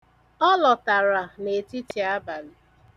Ọ lọtara n'etitiabalị.